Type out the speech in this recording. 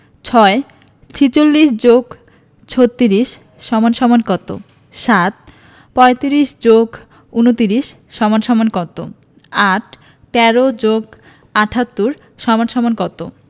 ৬ ৪৬ + ৩৬ = কত ৭ ৩৫ + ২৯ = কত ৮ ১৩ + ৭৮ = কত